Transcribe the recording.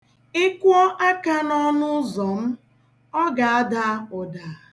Ị kụọ aka n'ọnụ ụzọ m, ọ ga-ada ụda.